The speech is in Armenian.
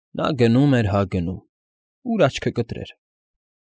Նա գնում էր հա գնում՝ ուր աչքը կտրեր։